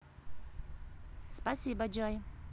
спасибо джой